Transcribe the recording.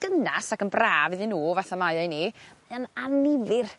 gynas ac yn braf iddyn n'w fatha mae o i ni mae yn annifyr